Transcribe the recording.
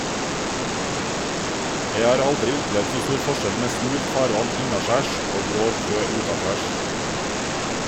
Jeg har aldri opplevd så stor forskjell med smult farvann innaskjærs og grov sjø utaskjærs.